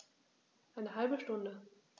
Eine halbe Stunde